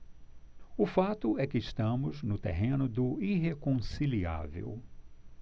o fato é que estamos no terreno do irreconciliável